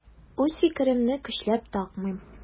Үз фикеремне көчләп такмыйм.